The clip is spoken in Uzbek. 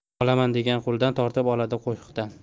olaman degan qulidan tortib oladi qo'hdan